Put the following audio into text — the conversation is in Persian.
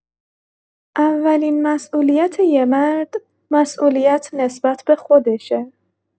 اولین مسئولیت یه مرد، مسئولیت نسبت به خودشه.